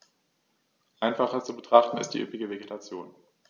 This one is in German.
Einfacher zu betrachten ist die üppige Vegetation.